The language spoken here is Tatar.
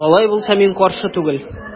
Алай булса мин каршы түгел.